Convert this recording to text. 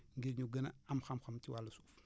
ngir ñu gën a am xam-xamci wàllu suuf